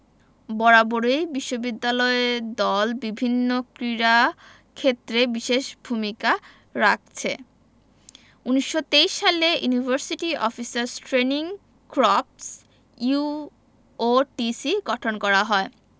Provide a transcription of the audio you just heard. বরাবরই বিশ্ববিদ্যালয় দল বিভিন্ন ক্রীড়াক্ষেত্রে বিশেষ ভূমিকা রাখছে ১৯২৩ সালে university officers training corps UOTC গঠন করা হয়